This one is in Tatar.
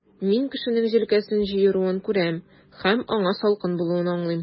Мин кешенең җилкәсен җыеруын күрәм, һәм аңа салкын булуын аңлыйм.